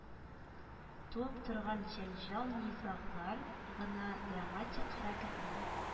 Туып торган җәнҗал-низаглар гына драматик хәрәкәтнең